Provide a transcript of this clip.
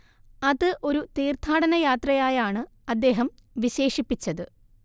അത് ഒരു തീർത്ഥാടനയാത്രയായാണ് അദ്ദേഹം വിശേഷിപ്പിച്ചത്